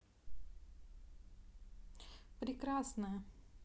прекрасная